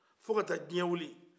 fo ka taa diɲɛ wili